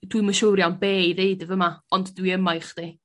dwi'm yn siŵr iawn be' i ddeud y' fyma ond dw i yma i chdi.